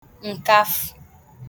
ǹkafū